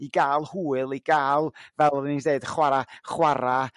I ga'l hwyl i ga'l fel o'n i'n deud chwara' chwara'